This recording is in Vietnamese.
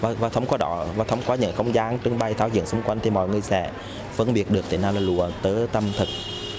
và thông qua đó thông qua những không gian trưng bày thao diễn xung quanh thì mọi người sẽ phân biệt được thế nào là lụa tơ tằm thật